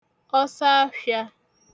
ọsọafhịā